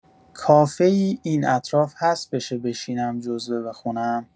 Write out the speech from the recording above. کافه‌ای این اطراف هست بشه بشینم جزوه بخونم؟